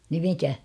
niin mikä